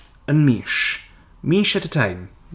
yn mis. Mis at a time.